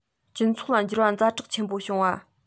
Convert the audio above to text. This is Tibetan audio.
སྤྱི ཚོགས ལ འགྱུར བ ཛ དྲག ཆེན པོ བྱུང བ